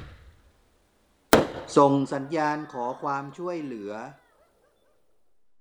ส่งสัญญาณขอความช่วยเหลือ